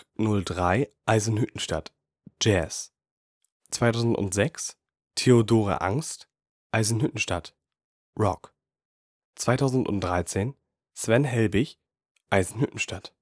03: Eisenhüttenstadt. (Jazz) 2006: Theodore Angst: Eisenhüttenstadt. (Rock) 2013: Sven Helbig: Eisenhüttenstadt